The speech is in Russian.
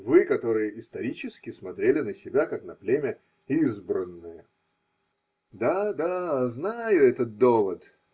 Вы, которые исторически смотрели на себя, как на племя избранное. – Да, да, знаю этот довод.